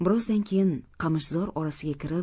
birozdan keyin qamishzor orasiga kirib